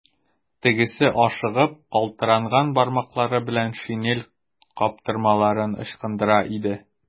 Тегесе ашыгып, калтыранган бармаклары белән шинель каптырмаларын ычкындыра иде.